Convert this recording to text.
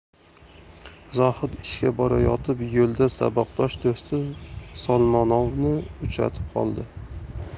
zohid ishga borayotib yo'lda saboqdosh do'sti solmonovni uchratib qoldi